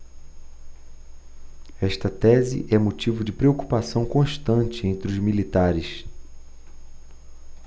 esta tese é motivo de preocupação constante entre os militares